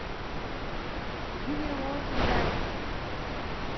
ты мне очень нравишься